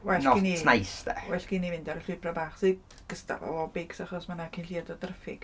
Well gen i... Not nice 'de... well gen i fynd ar y llwybra bach sy gystal efo beics achos mae 'na cynlleied o draffig.